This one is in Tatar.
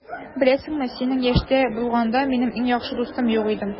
Беләсеңме, синең яшьтә булганда, минем иң яхшы дустым юк иде.